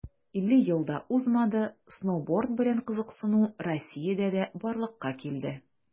50 ел да узмады, сноуборд белән кызыксыну россиядә дә барлыкка килде.